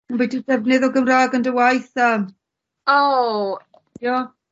Ambwyti'r ddefnydd o Gymra'g yn dy waith a? O. 'Di o?